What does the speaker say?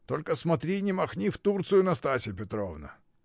Только смотри, не махни в Турцию, Настасья Петровна!